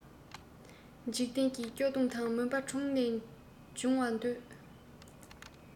འཇིག རྟེན གྱི སྐྱོ གདུང དང མུན པ དྲུངས ནས དབྱུང བར འདོད